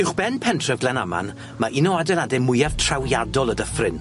Uwch ben pentref Glenaman, ma' un o adeilade mwyaf trawiadol y dyffryn.